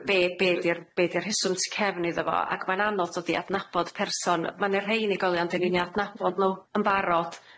Be', be' 'di'r... Be' di'r rheswm tu cefn iddo fo, ac mae'n anodd dod i adnabod person. Ma' 'ne rhei unigolion, 'de ni'n 'u adnabod nw yn barod.